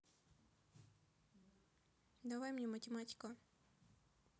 помоги мне математика